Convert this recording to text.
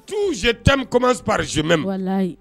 Tout je t'aime commence par je m'aime walahi